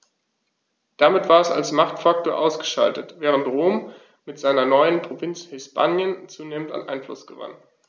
Damit war es als Machtfaktor ausgeschaltet, während Rom mit seiner neuen Provinz Hispanien zunehmend an Einfluss gewann.